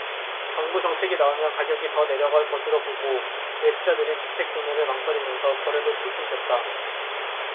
정부 정책이 나오면 가격이 더 내려갈 것으로 보고 매수자들이 주택 구매를 망설이면서 거래도 뚝 끊겼다